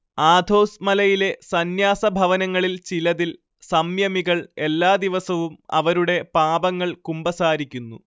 Athos മലയിലെ സന്യാസഭവനങ്ങളിൽ ചിലതിൽ സംയമികൾ എല്ലാ ദിവസവും അവരുടെ പാപങ്ങൾ കുമ്പസാരിക്കുന്നു